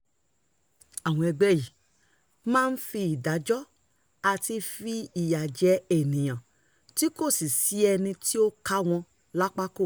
Àwọn ẹgbẹ́ yìí máa ń dájọ́ àti fi ìyà jẹ ènìyàn tí kò sì sí ẹni tí ó ká wọn lápá kò.